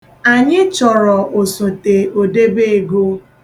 Anyị chọrọ osote odebeego.